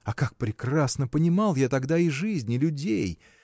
А как прекрасно понимал я тогда и жизнь и людей!